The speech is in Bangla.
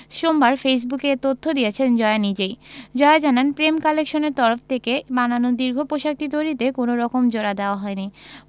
সোমবার ফেসবুকে এ তথ্য দিয়েছেন জয়া নিজেই জয়া জানান প্রেম কালেকশন এর তরফ থেকে বানানো দীর্ঘ পোশাকটি তৈরিতে কোনো রকম জোড়া দেয়া হয়নি